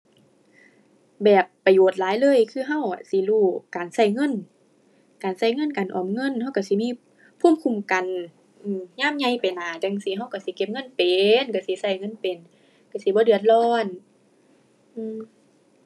แบบประโยชน์หลายเลยคือเราสิรู้การเราเงิน การเราเงิน การออมเงินเราเราสิมีภูมิคุ้มกัน อือ ยามใหญ่ไปหน้าจั่งซี้เราเราสิเก็บเงินเป็น เราสิเราเงินเป้น เราสิบ่เดือดร้อน